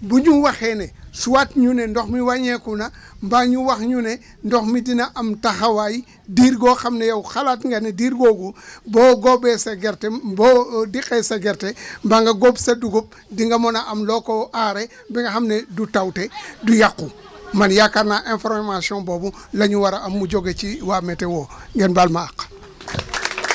bu ñu waxee ne soit ñu ne ndox mi wàññeeku na mbaa ñu wax ñu ne ndox mi dina am taxawaay diir goo xam ne yow xalaat nga ne diir boobu boo góobee sa gerte boo deqee sa gerte mbaa nga góob sa dugub di nga mën a am loo ko aaree ba nga xam ne du tawte du yàqu man yaakaar naa information boobu loa ñu war a am mu jógee ci waa météo ngeen baal ma àq